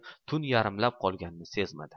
tun yarimlab qolganini sezmadi